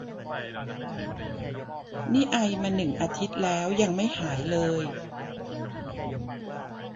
นี่ไอมาหนึ่งอาทิตย์แล้วยังไม่หายเลย